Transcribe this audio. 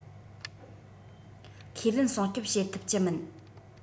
ཁས ལེན སྲུང སྐྱོབ བྱེད ཐུབ ཀྱི མིན